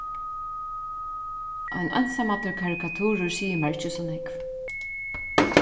ein einsamallur karikaturur sigur mær ikki so nógv